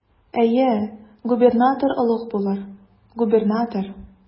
Әйе, губернатор олуг булыр, губернатор.